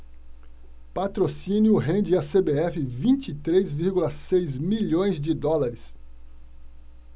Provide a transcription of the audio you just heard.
patrocínio rende à cbf vinte e três vírgula seis milhões de dólares